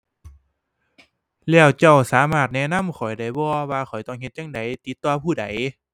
แล้วเจ้าสามารถแนะนำข้อยได้บ่ว่าข้อยต้องเฮ็ดจั่งใดติดต่อผู้ใด